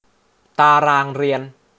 ตารางเรียน